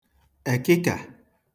èkịkà